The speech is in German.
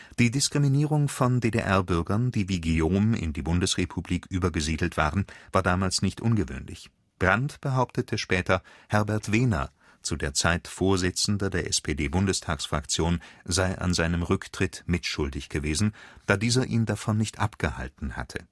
Die Diskriminierung von DDR-Bürgern, die wie Guillaume in die Bundesrepublik übergesiedelt waren, war damals nicht ungewöhnlich. Brandt behauptete später, Herbert Wehner (zu der Zeit Vorsitzender der SPD-Bundestagsfraktion) sei an seinem Rücktritt mitschuldig gewesen, da dieser ihn davon nicht abgehalten hatte